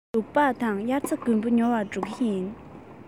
ལུག པགས དང དབྱར རྩྭ དགུན འབུ ཉོ བར འགྲོ གི ཡིན